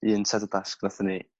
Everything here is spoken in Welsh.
un set o dasg nathon ni